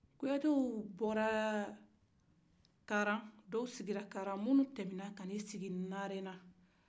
kuyatew bɔra karan dɔw tɛmɛ na ka taa sigi narena